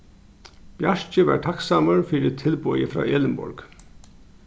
bjarki var takksamur fyri tilboðið frá elinborg